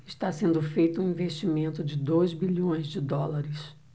está sendo feito um investimento de dois bilhões de dólares